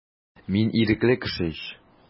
Мин ирекле кеше ич.